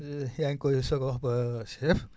yaa ngi koy soog a wax ba chef